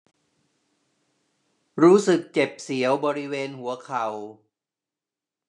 รู้สึกเจ็บเสียวบริเวณหัวเข่า